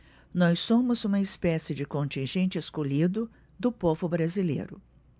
nós somos uma espécie de contingente escolhido do povo brasileiro